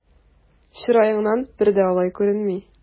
Чыраеңнан бер дә алай күренми!